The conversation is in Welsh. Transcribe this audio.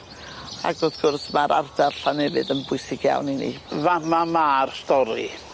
Ag wrth gwrs ma'r ardal Llanefydd yn bwysig iawn i ni. Fa'ma ma'r stori.